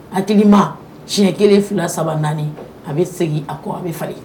A ma tiɲɛ kelen fila saba naani a bɛ segin a ko a bɛ fa